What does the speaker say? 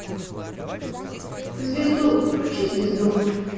звезду включите звезду